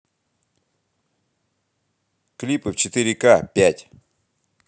клипы в четыре ка пять